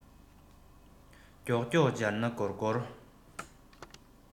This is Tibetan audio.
མགྱོགས མགྱོགས བྱས ན འགོར འགོར